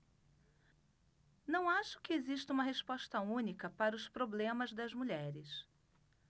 não acho que exista uma resposta única para os problemas das mulheres